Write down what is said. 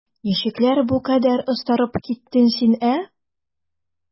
Ничекләр бу кадәр остарып киттең син, ә?